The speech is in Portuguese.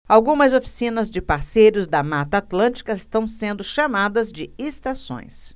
algumas oficinas de parceiros da mata atlântica estão sendo chamadas de estações